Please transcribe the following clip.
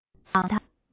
རྩོམ རིག དང